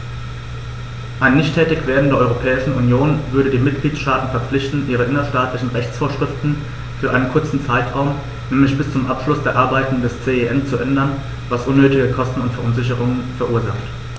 Ein Nichttätigwerden der Europäischen Union würde die Mitgliedstaten verpflichten, ihre innerstaatlichen Rechtsvorschriften für einen kurzen Zeitraum, nämlich bis zum Abschluss der Arbeiten des CEN, zu ändern, was unnötige Kosten und Verunsicherungen verursacht.